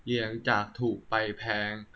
เรียงจากถูกไปแพง